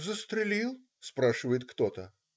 "-"Застрелил?"-спрашивает кто-то.